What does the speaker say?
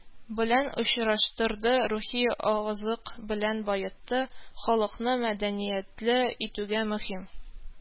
Белән очраштырды, рухи азык белән баетты, халыкны мәдәниятле итүгә мөһим